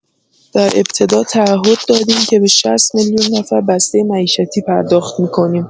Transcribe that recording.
در ابتدا تعهد دادیم که به ۶۰ میلیون نفر بسته معیشتی پرداخت می‌کنیم.